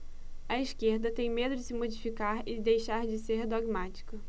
a esquerda tem medo de se modificar e deixar de ser dogmática